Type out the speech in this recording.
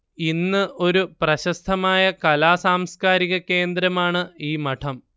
ഇന്ന് ഒരു പ്രശസ്തമായ കലാ സാംസ്കാരിക കേന്ദ്രമാണ് ഈ മഠം